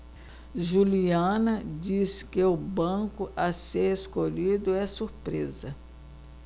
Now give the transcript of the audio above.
juliana disse que o banco a ser escolhido é surpresa